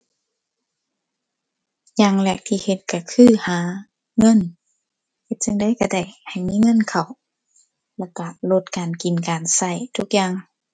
อย่างแรกที่เฮ็ดก็คือหาเงิน เฮ็ดจั่งใดก็ได้ให้มีเงินเข้า แล้วก็ลดการกินการก็ทุกอย่าง